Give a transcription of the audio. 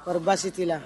Kɔrɔ baasisi t'i la